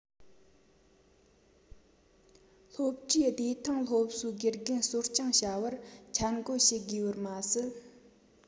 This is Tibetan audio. སློབ གྲྭའི བདེ ཐང སློབ གསོའི དགེ རྒན གསོ སྦྱོང བྱ བར འཆར འགོད བྱེད དགོས པར མ ཟད